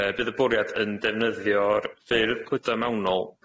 Yy bydd y bwriad yn defnyddio'r ffyrdd gludo mewnol